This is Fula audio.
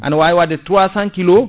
ana wawi wadde 300 kilos